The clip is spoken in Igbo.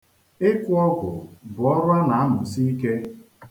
Ịkụ ọgwụ bụ ọrụ a na-amusi ike.